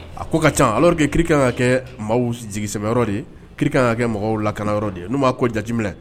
A ko ka ca aleo kɛ kikan ka kɛ mɔgɔw jigi sɛ de ki ka kɛ mɔgɔw lakana yɔrɔ de n' b'a ko jatejiminɛ